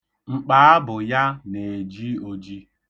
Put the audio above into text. Mkpaabụ ya na-eji oji.